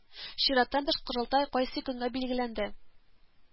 Чираттан тыш корылтай кайсы көнгә билгеләнде